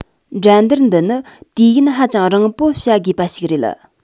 འགྲན བསྡུར འདི ནི དུས ཡུན ཧ ཅང རིང པོ བྱ དགོས པ ཞིག རེད